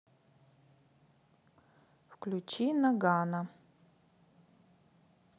включи ноганно